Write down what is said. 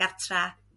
gartra